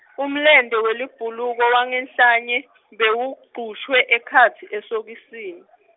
Umlente welibhuluko wanganhlanye , bewugcushwe, ekhatsi, esokisini.